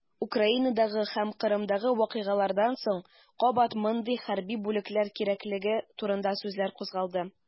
Украинадагы һәм Кырымдагы вакыйгалардан соң кабат мондый хәрби бүлекләр кирәклеге турында сүзләр кузгалды.